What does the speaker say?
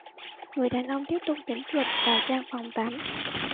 người đàn ông tiếp tục nhấn chuột vào trang phòng tắm